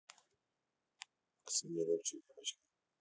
ксения левчик девочка